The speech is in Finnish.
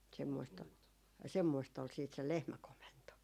semmoista oli semmoista oli sitten se lehmäkomento